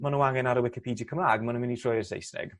ma' n'w angen ar y wicipedie Cymra'g ma' n'w myn' i troi i'r Saesneg.